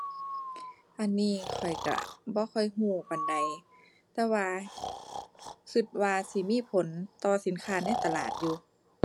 อันนี้ข้อยก็บ่ค่อยก็ปานใด แต่ว่าก็ว่าสิมีผลต่อสินค้าในตลาดอยู่